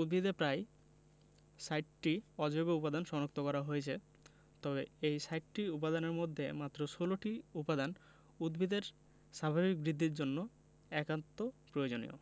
উদ্ভিদে প্রায় ৬০টি অজৈব উপাদান শনাক্ত করা হয়েছে তবে এই ৬০টি উপাদানের মধ্যে মাত্র ১৬টি উপাদান উদ্ভিদের স্বাভাবিক বৃদ্ধির জন্য একান্ত প্রয়োজনীয়